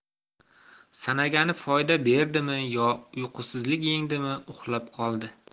sanagani foyda berdimi yo uyqusizlik yengdimi uxlab qoldi